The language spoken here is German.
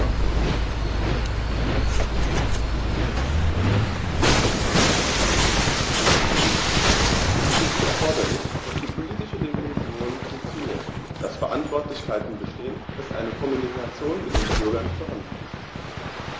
Es ist für sie erforderlich, dass die politische Dimension funktioniert, dass Verantwortlichkeiten bestehen, dass eine Kommunikation mit den Bürgern vorhanden ist.